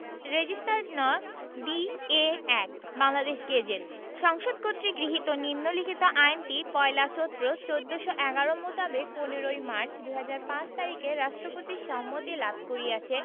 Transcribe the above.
registered নং D A ১ Bangladesh gazette সংসদ কর্তৃক গৃহীত নিম্নলিখিত আইনটি পহেলা চৈত্র ১৪১১ মোতাবেক ১৫ই মার্চ ২০০৫ তারিখে রাষ্ট্রপতির সম্মতি লাভ করিয়াছে